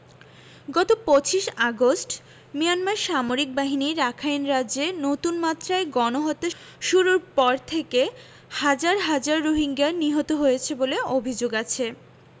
গত ২৫ August Myanmar সামরিক বাহিনী রাখাইন রাজ্যে নতুন মাত্রায় গণহত্যা শুরুর পর থেকে হাজার হাজার রোহিঙ্গা নিহত হয়েছে বলে অভিযোগ আছে